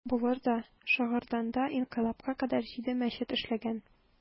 Булыр да, Шыгырданда инкыйлабка кадәр җиде мәчет эшләгән.